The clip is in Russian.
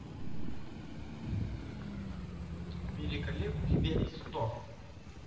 великолепный век сто